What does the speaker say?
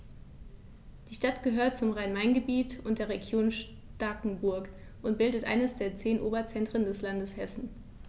Die Stadt gehört zum Rhein-Main-Gebiet und der Region Starkenburg und bildet eines der zehn Oberzentren des Landes Hessen.